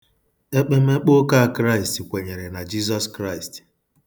Ekpemekpe Ụka Kraịst kwenyere na Jizọs Kraịst.